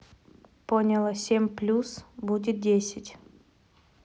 поняла семь плюс будет десять